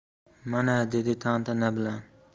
mana dedi tantana bilan